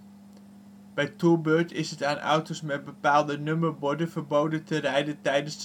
toerbeurt is het aan auto 's met bepaalde nummerborden verboden te rijden tijdens